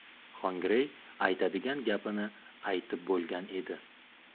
xongirey aytadigan gapini aytib bo'lgan edi